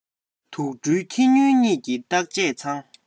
དུག སྦྲུལ ཁྱི སྨྱོན གཉིས ཀྱི བརྟག དཔྱད ཚང